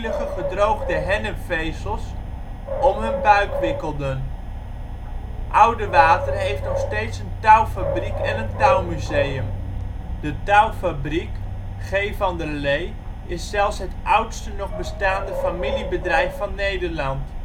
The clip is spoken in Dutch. gedroogde hennepvezels om hun buik wikkelden. Oudewater heeft nog steeds een touwfabriek en een touwmuseum. De touwfabriek, G. van der Lee, is zelfs het oudste nog bestaande familiebedrijf van Nederland